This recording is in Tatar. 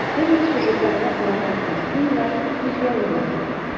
Төрле сюжетларга корылган картиналар күз явын ала.